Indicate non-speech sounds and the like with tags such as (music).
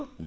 (hesitation) (hesitation)